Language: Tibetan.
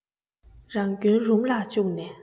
རང སྐྱོན རུམ ལ བཅུག ནས